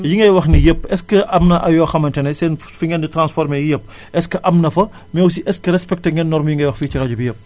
yi ngay wax nii yépp est ce que am na ay yoo xamante ne seen fi ngeen di transformé yii yépp est ce que am na fa mais aussi est ce que respecté ngeen norme yi ngay wax fii nii ci rajo bi yépp